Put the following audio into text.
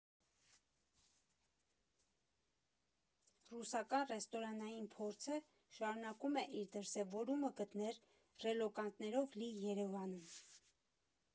Ռուսական ռեստորանային փորձը շարունակում է իր դրսևորումը գտնել ռելոկանտներով լի Երևանում։